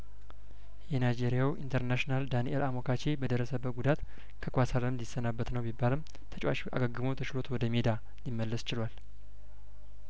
የናይጄሪያው ኢንተርናሽናል ዳንኤል አሞካቼ በደረሰበት ጉዳት ከኳስ አለም ሊሰናበት ነው ቢባልም ተጫዋቹ አገግሞ ተሽሎት ወደ ሜዳ ሊመለስችሏል